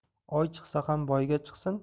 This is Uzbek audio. oy chiqsa ham boyga chiqsin